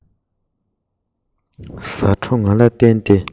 ཟ འཕྲོ ང ལ བསྟན ཏེ